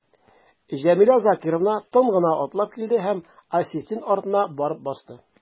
Җәмилә Закировна тын гына атлап килде һәм ассистент артына барып басты.